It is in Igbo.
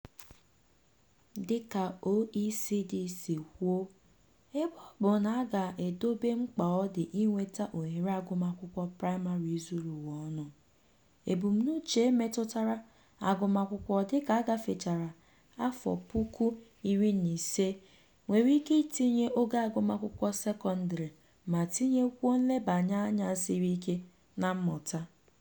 Dịka OECD si kwuo, ebe ọ bụ na a ga-edobe mkpa ọ dị inweta ohere agụmakwụkwọ praịmarị zuru ụwa ọnụ, ebumnuche metụtara agụmakwụkwọ dịka a gafechara 2015 nwere ike itinye ogo agụmakwụkwọ sekọndrị ma tinyekwuo nlebaanya siri ike na mmụta.